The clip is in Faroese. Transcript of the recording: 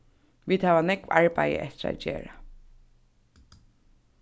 vit hava nógv arbeiði eftir at gera